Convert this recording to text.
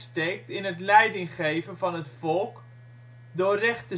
leidinggeven van het volk door recht